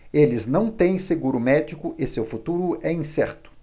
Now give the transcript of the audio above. eles não têm seguro médico e seu futuro é incerto